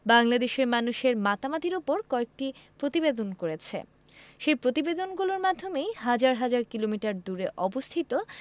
বাংলাদেশের মানুষের মাতামাতির ওপর কয়েকটি প্রতিবেদন করেছে সেই প্রতিবেদনগুলোর মাধ্যমেই হাজার হাজার কিলোমিটার দূরে অবস্থিত